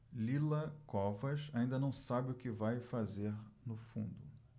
lila covas ainda não sabe o que vai fazer no fundo